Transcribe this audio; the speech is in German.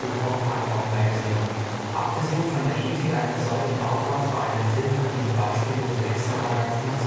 vom Time Out Magazine: „ Abgesehen von der Ethik eines solchen Aufwands bei einem Film hat diese beispiellose Extravaganz nicht